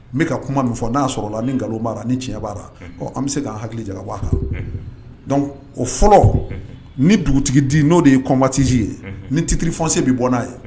N bɛ ka kuma min fɔ n'a sɔrɔ la ni nkalonlo b'a ni tiɲɛ' an bɛ se k' hakili jabaa kan dɔnku o fɔlɔ ni dugutigi di n' de ye kɔnbati ye ni titirisi bɛ bɔ n'a ye